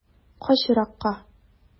Кач еракка.